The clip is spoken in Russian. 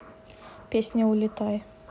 песня улетай